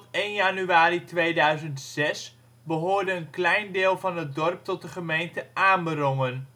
2004). Tot 1 januari 2006 behoorde een klein deel van het dorp tot de gemeente Amerongen